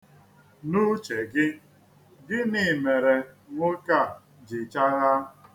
N'uche gị, gịnị mere nwoke a ji chaghaa?